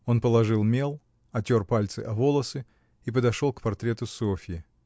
Он положил мел, отер пальцы о волосы и подошел к портрету Софьи.